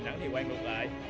quay ngược lại